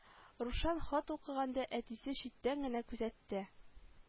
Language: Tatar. Рушан хат укыганда әтисе читтән генә күзәтте